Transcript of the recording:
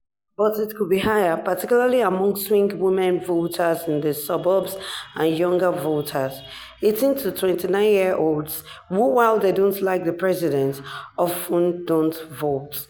But it could be higher, particularly among swing women voters in the suburbs and younger voters, 18- to 29-year-olds, who while they don't like the president, often don't vote."